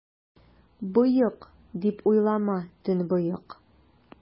Боек, дип уйлама, төнбоек!